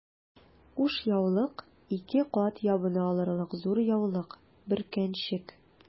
Кушъяулык— ике кат ябына алырлык зур яулык, бөркәнчек...